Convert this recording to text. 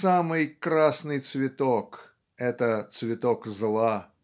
Самый красный цветок - это цветок зла.